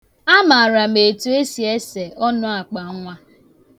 A maara m etu esi ese ọnụakpannwa.